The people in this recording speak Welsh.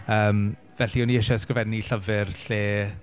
Yym felly o'n i isie ysgrifennu llyfr lle...